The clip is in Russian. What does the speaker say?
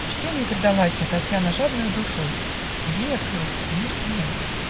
Чтенью предалася Татьяна жадною душой; И ей открылся мир иной.